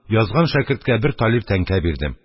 Язган шәкерткә бер талир тәңкә бирдем.